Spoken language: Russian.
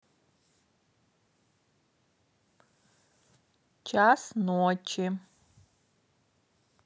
час ночи